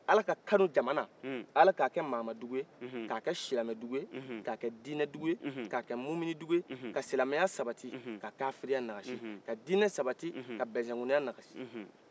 ala ka kanu jamana ala kakɛ mama dugu ye ka kɛ silamɛ dugu ye ka kɛ mumunin dugu ye ka silamɛya sabati ka kafiriya nagachi ka dinɛ sabati ka bɛnsegoniya nagachi